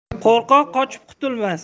qo'rqoq qochib qutilmas